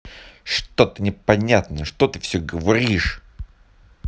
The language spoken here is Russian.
что то непонятно что ты все говоришь